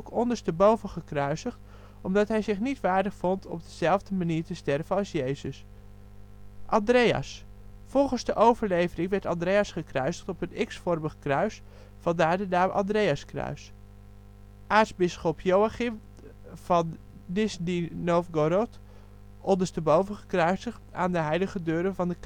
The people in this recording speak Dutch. ondersteboven gekruisigd omdat hij zich niet waardig vond op dezelfde manier te sterven als Jesus) Andreas (volgens de overlevering werd Andreas gekruisigd op een X-vormig kruis: vandaar de naam Andreaskruis) Aartsbisschop Joachim van Nizhny Novgorod (ondersteboven gekruisigd aan de Heilige Deuren van